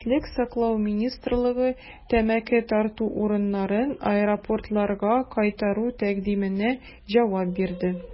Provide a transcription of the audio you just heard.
Сәламәтлек саклау министрлыгы тәмәке тарту урыннарын аэропортларга кайтару тәкъдименә җавап бирде.